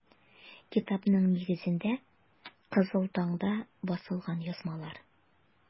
Китапның нигезендә - “Кызыл таң”да басылган язмалар.